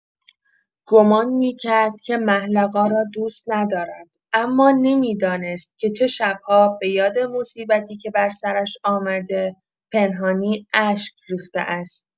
گمان می‌کرد که محلقا را دوست ندارد، اما نمی‌دانست که چه شب‌ها بۀاد مصیبتی که بر سرش آمده، پنهانی اشک ریخته است.